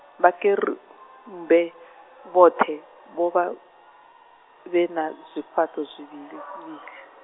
Vhakerumbe, vhoṱhe, vhofha, vhena zwifhaṱo zwivhilizwivhili.